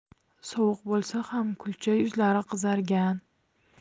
sovuq bo'lsa ham kulcha yuzlari qizargan